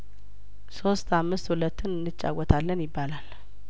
ሶስት አምስት ሁለትን እንጫወታለን ይባላል